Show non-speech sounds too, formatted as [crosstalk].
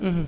[hesitation] [hesitation]